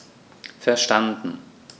Verstanden.